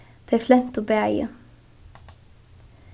tey flentu bæði